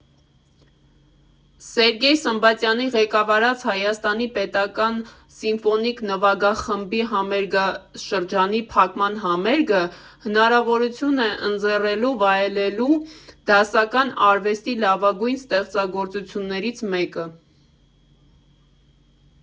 Սերգեյ Սմբատյանի ղեկավարած Հայաստանի պետական սիմֆոնիկ նվագախմբի համերգաշրջանի փակման համերգը հնարավորություն է ընձեռելու վայելելու դասական արվեստի լավագույն ստեղծագործություններից մեկը։